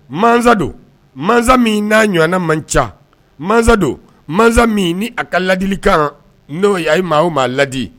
Masa don masa min n'a ɲɔgɔnana man ca masadon ma min ni a ka ladili kan n'o a ye maa maaa laadi